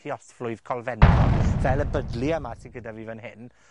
lluosflwydd colfennog, fel y Buhdlia 'ma sy gyda fi fyn hyn,